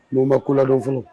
Mais ma koladɔn fɔlɔ